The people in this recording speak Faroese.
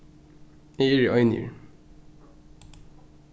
eg eri einigur